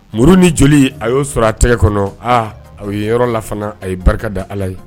Muru ni joli a y'o sɔrɔ a tɛgɛ kɔnɔ a a ye yɔrɔ la fana a ye barikada ala ye